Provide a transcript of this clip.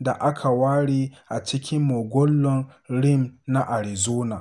da aka ware a cikin Mogollon Rim na Arizona.